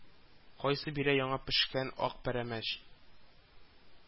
Кайсы бирә яңа пешкән ак пәрәмәч